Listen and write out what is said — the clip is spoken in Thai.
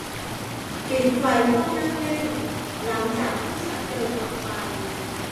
ปิดไฟห้องนั่งเล่นหลังจากที่ฉันเดินออกไป